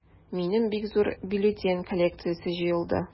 Минем бик зур бюллетень коллекциясе җыелды.